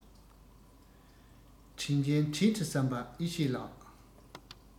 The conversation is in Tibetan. དྲིན ཅན དྲིན དུ བསམས པ ཨེ ཝེས ལགས